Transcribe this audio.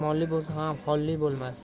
molli bo'lsa ham holli bo'lmas